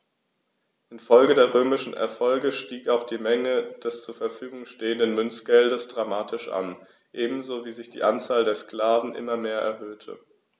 Infolge der römischen Erfolge stieg auch die Menge des zur Verfügung stehenden Münzgeldes dramatisch an, ebenso wie sich die Anzahl der Sklaven immer mehr erhöhte.